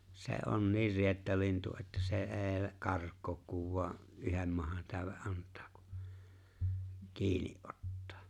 se on niin riettalintu että se ei karkaa kun vain yhden mahantäyden antaa kun kiinni ottaa